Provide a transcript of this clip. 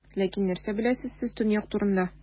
Ләкин нәрсә беләсез сез Төньяк турында?